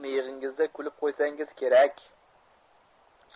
miyig'ingizda kulib qo'ysangiz kerak